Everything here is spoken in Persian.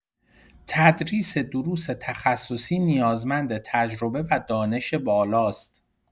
تدریس دروس تخصصی نیازمند تجربه و دانش بالاست.